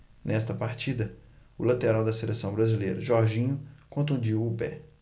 nesta partida o lateral da seleção brasileira jorginho contundiu o pé